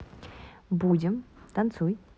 будем танцуй